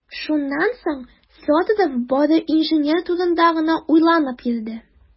Шуннан соң Федоров бары инженер турында гына уйланып йөрде.